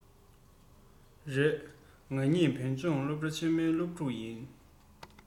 རེད ང གཉིས བོད ལྗོངས སློབ གྲ ཆེན མོའི སློབ ཕྲུག ཡིན